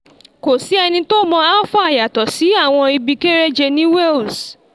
"Kò sí ẹni tí ó mọ Alffa yàtọ̀ sí àwọn ibi kéréje ní Wales.